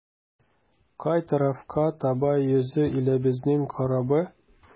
Кай тарафка таба йөзә илебезнең корабы?